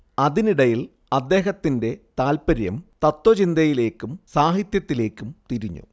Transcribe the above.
അതിനിടയിൽ അദ്ദേഹത്തിന്റെ താല്‍പര്യം തത്ത്വചിന്തയിലേക്കും സാഹിത്യത്തിലേക്കും തിരിഞ്ഞു